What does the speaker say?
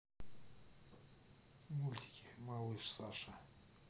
мультики малыш саша